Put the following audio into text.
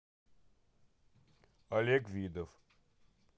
олег видов